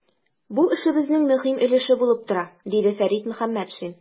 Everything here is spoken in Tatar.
Бу эшебезнең мөһим өлеше булып тора, - диде Фәрит Мөхәммәтшин.